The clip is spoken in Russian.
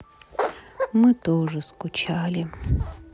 мы тоже скучали